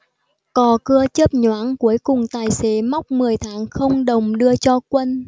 cò cưa chớp nhoáng cuối cùng tài xế móc mười tháng không đồng đưa cho quân